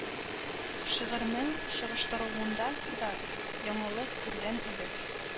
Шагыйрьнең чагыштыруында да яңалык күргән идек